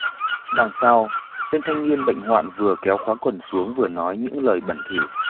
đằng sau tên thanh niên bệnh hoạn vừa kéo khóa quần xuống vừa nói những lời bẩn thỉu